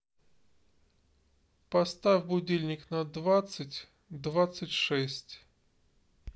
поставь будильник на двадцать двадцать шесть